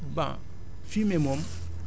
di la gërëm tamit ci question bi